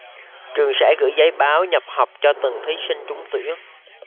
trường sẽ gửi giấy báo nhập học cho từng thí sinh trúng tuyển